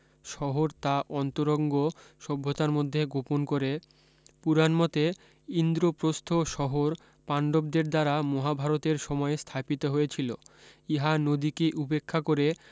শহর তা অন্তরঙ্গ সভ্যতার মধ্যে গোপন করে পুরাণমতে ইন্দপ্রস্থ শহর পান্ডবদের দ্বারা মহাভারতের সময়ে স্থাপিত হয়েছিলো ইহা নদীকে উপেক্ষা করে